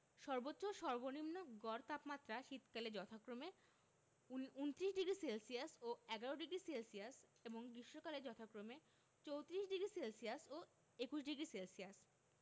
সর্বোচ্চ ও সর্বনিম্ন গড় তাপমাত্রা শীতকালে যথাক্রমে উন ২৯ ডিগ্রি সেলসিয়াস ও ১১ডিগ্রি সেলসিয়াস এবং গ্রীষ্মকালে যথাক্রমে ৩৪ডিগ্রি সেলসিয়াস ও ২১ডিগ্রি সেলসিয়াস